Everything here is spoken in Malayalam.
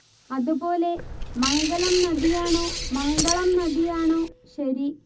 അതുപോലെ മംഗലം നദിയാണോ മംഗളം നദിയാണോ ശരി